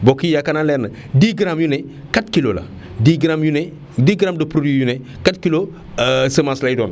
mbokk yi yaakaar naa leer na 10 grammes yu ne 4 kilos la 10 grammes yu ne 10 grammes de produit yu ne 4 kilos semence lay doon